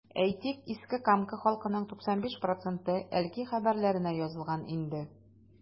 Әйтик, Иске Камка халкының 95 проценты “Әлки хәбәрләре”нә язылган инде.